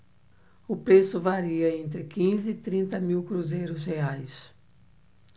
o preço varia entre quinze e trinta mil cruzeiros reais